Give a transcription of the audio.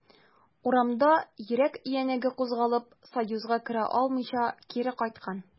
Урамда йөрәк өянәге кузгалып, союзга керә алмыйча, кире кайткан.